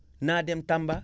naa dem Tamba